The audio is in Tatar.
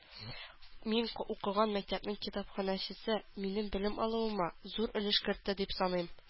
Мин укыган мәктәпнең китапханәчесе минем белем алуыма зур өлеш кертте дип саныйм